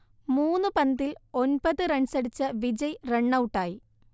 മൂന്നു പന്തിൽ ഒൻപത് റൺസടിച്ച വിജയ് റൺഔട്ടായി